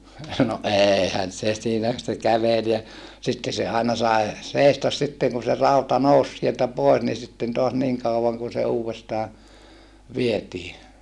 no eihän se siinä se käveli ja sitten se aina sai seistä sitten kun se rauta nousi sieltä pois niin sitten taas niin kauan kuin se uudestaan vietiin